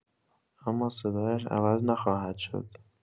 اما صدایش عوض نخواهد شد.